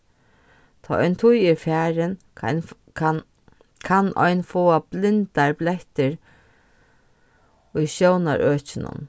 tá ein tíð er farin kann kann ein fáa blindar blettir í sjónarøkinum